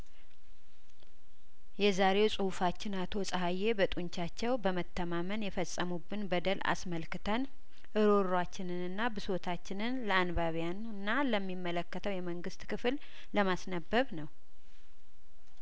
የዛሬው ጽሁፋችን አቶ ጸሀዬ በጡንቻቸው በመተማመን የፈጸሙ ብን በደል አስመልክተን እሮሯችንንና ብሶታችንን ለአንባቢያንና ለሚመለከተው የመንግስት ክፍል ለማስነበብ ነው